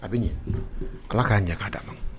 A bɛ ɲɛ allah k'a ɲɛ k'a d' ani ma.